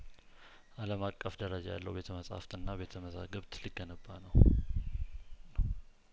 አለም አቀፍ ደረጃ ያለው ቤተ መጻህፍትና ቤተ መዛግብት ሊገነባ ነው ነው